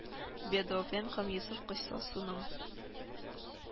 Бәдавәм һәм Йосыф кыйссасының